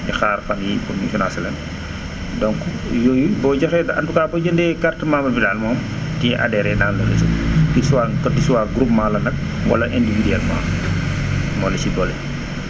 di xaar fan yii pour ñu financé leen donc yooyu boo joxee en tout cas boo jëndee carte membre bi daal moom ci ngay adhéré daanaka si réseau bi que tu sois groupement la nag wala individuellement boole si doole ji